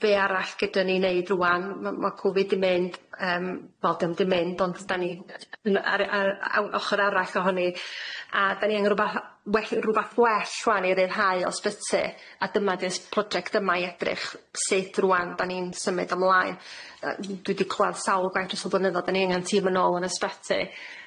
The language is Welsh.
be' arall gydan ni neud rŵan ma' ma' Covid di'n mynd yym wel dio'm di'n mynd ond dan ni ar y- ar i- ochor arall ohoni a dan ni ang- rwba- rwbath well rŵan i ryddhau o'sbyty a dyma di'r s- project yma i edrych sut rŵan dan ni'n symud ymlaen y- dwi di clwad sawl gwaith dros y blynyddodd dan ni angan tîm yn ôl yn ysbyty.